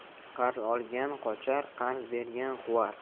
qarz olgan qochar qarz bergan quvar